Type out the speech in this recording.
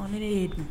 Ko ne ye dun